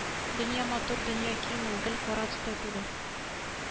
Дөнья матур дөнья киң ул гел кара төстә түгел